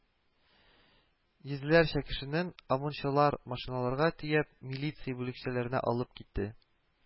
Йөзләрчә кешенең ОМОНчылар машиналарга төяп, милиция бүлекчәләренә алып китте